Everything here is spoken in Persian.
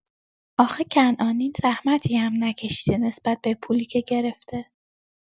آخه کنعانی زحمتی هم نکشیده نسبت به پولی که گرفته.